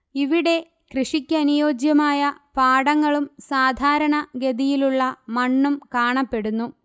ഇവിടെ കൃഷിക്കനുയോജ്യമായ പാടങ്ങളും സാധാരണ ഗതിയിലുള്ള മണ്ണും കാണപ്പെടുന്നു